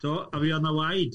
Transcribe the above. Do, a fuodd yna waed.